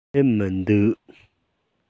སླེབས མི འདུག